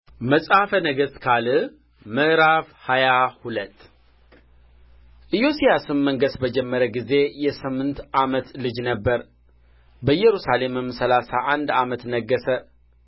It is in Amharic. መጽሐፈ ነገሥት ካልዕ ምዕራፍ ሃያ ሁለት ኢዮስያስም መንገሥ በጀመረ ጊዜ የስምንት ዓመት ልጅ ነበረ በኢየሩሳሌምም ሠላሳ አንድ ዓመት ነገሠ